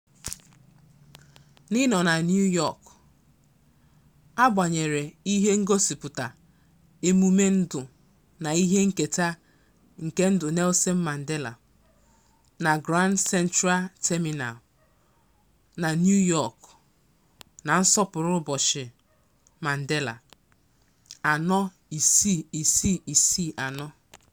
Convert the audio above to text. N'ịnọ na New York, a gbanyere ihe ngosipụta emume ndụ na ihe nketa nke ndụ Nelson Mandela na Grand Central Terminal na New York na nsọpụrụ ụbọchị Mandela 46664.